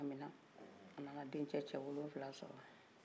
a nana den cɛ wolowula sɔrɔ